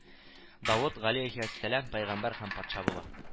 Давыт галәйһиссәләм пәйгамбәр һәм патша була